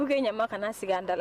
U ɲamakala kana sigi an dala la